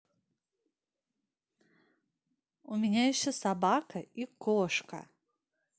у меня еще собака и кошка